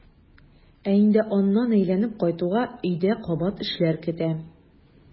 Ә инде аннан әйләнеп кайтуга өйдә кабат эшләр көтә.